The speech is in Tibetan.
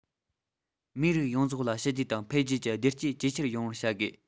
མིའི རིགས ཡོངས རྫོགས ལ ཞི བདེ དང འཕེལ རྒྱས ཀྱི བདེ སྐྱིད ཇེ ཆེར ཡོང བར བྱ དགོས